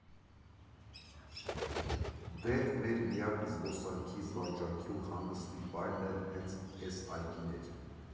Դե մեր միակ զբոսանքի, զվարճանքի ու հանգստի վայրն էլ հենց էս այգին էր։